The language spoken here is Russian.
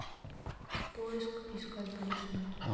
поиск искать будешь нет